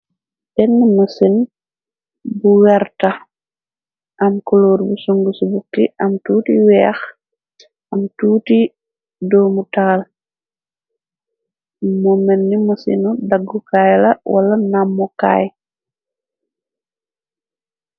Benne musin bu werta am kuloor bu sung ci bukki am tuuti weex am tuuti doomu taal mo merni musinu daggukaay la wala nammokaay.